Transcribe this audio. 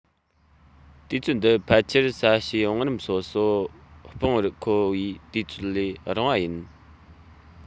དུས ཚོད འདི ཕལ ཆེར ས གཤིས བང རིམ སོ སོ སྤུང བར མཁོ བའི དུས ཚོད ལས རིང བ ཡིན